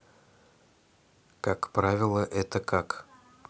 как правило это как